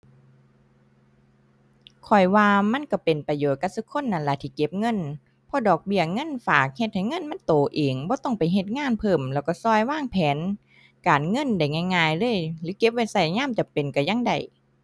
ข้อยว่ามันก็เป็นประโยชน์กับซุคนนั่นล่ะที่เก็บเงิน เพราะดอกเบี้ยเงินฝากเฮ็ดให้เงินมันโตเอง บ่ต้องไปเฮ็ดงานเพิ่มแล้วก็ก็วางแผนการเงินได้ง่ายง่ายเลย หรือเก็บไว้ก็ยามจำเป็นก็ยังได้